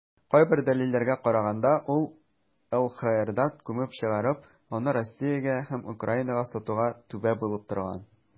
Кайбер дәлилләргә караганда, ул ЛХРда күмер чыгарып, аны Россиягә һәм Украинага сатуга "түбә" булып торган.